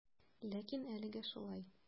Ләкин әлегә шулай.